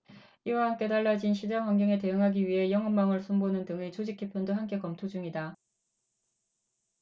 이와 함께 달라진 시장환경에 대응하기 위해 영업망을 손보는 등의 조직 개편도 함께 검토 중이다